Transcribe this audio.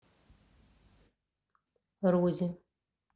розе